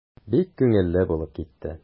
Бик күңелле булып китте.